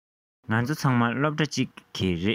ང ཚོ ཚང མ སློབ གྲྭ གཅིག གི རེད